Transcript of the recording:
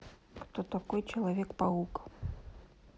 кто такой человек паук